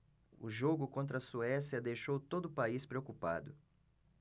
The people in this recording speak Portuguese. o jogo contra a suécia deixou todo o país preocupado